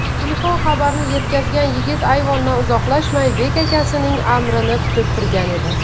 telefon xabarini yetkazgan yigit ayvondan uzoqlashmay bek akasining amrini kutib turgan edi